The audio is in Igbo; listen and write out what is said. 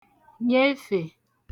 nyefè